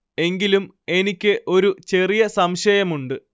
എങ്കിലും എനിക്ക് ഒരു ചെറിയ സംശയമുണ്ട്